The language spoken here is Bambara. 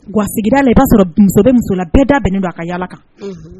Wa sigira de i b'a sɔrɔ musobɛ musola bɛɛ da bɛn a ka yaa kan